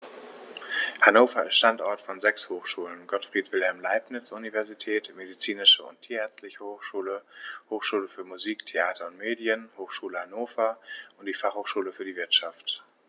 Hannover ist Standort von sechs Hochschulen: Gottfried Wilhelm Leibniz Universität, Medizinische und Tierärztliche Hochschule, Hochschule für Musik, Theater und Medien, Hochschule Hannover und die Fachhochschule für die Wirtschaft.